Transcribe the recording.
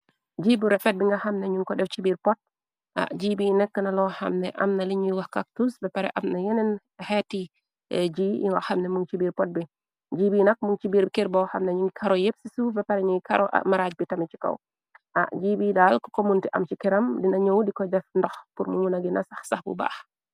Jii bu refet bi nga xam ne ñuñ ko def ci biir pot jii bii nekk na lo xamne amna liñuy wax kaktus be pare am na yeneen xeeti ji yi nga xamne mung ci biir pot bi jii bi nak mung ci biir kër bo xamna ñu karo yépp ci suuf be pare ñuy karo maraaj bi tami ci kaw jii bi daal ko komunti am ci këram dina ñoow di ko jaf ndox purmu muna gina sax sax bu baax.